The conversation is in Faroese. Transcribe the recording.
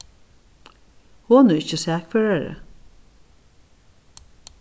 hon er ikki sakførari